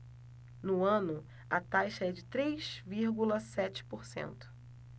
no ano a taxa é de três vírgula sete por cento